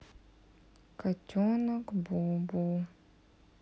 котенок бубу